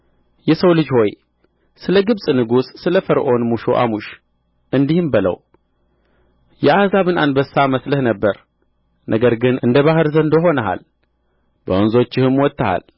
የሰው ልጅ ሆይ ስለ ግብጽ ንጉሥ ስለ ፈርዖን ሙሾ አሙሽ እንዲህም በለው የአሕዛብን አንበሳ መስለህ ነበር ነገር ግን እንደ ባሕር ዘንዶ ሆነሃል በወንዞችህም ወጥተሃል